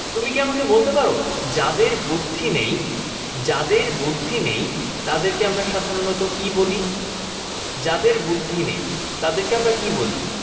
তুমি কি আমাকে বলতে পারো যাদের বুদ্ধি নেই যাদের বুদ্ধি নেই তাদেরকে আমরা সাধারণত কি বলি যাদের বুদ্ধি নেই তাদেরকে আমরা কি বলি